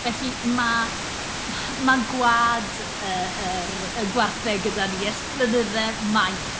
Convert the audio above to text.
Felly ma' mae gwaed yy yr gwartheg gyda ni ers blynyddau maith.